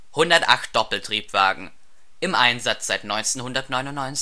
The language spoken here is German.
108 Doppeltriebwagen. Im Einsatz seit 1999